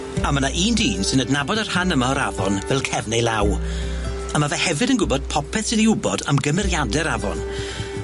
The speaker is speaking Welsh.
A ma' na un dyn sy'n adnabod y rhan yma o'r afon fel cefn ei law a ma' fe hefyd yn gwbod popeth sydd i wbod am gymeriade'r afon